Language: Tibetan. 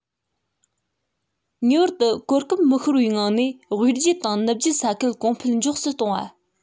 ངེས པར དུ གོ སྐབས མི ཤོར བའི ངང ནས དབུས རྒྱུད དང ནུབ རྒྱུད ས ཁུལ གོང འཕེལ མགྱོགས སུ གཏོང བ